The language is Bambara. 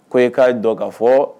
Ko ye k'a dɔn ka fɔ